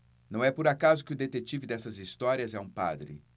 não é por acaso que o detetive dessas histórias é um padre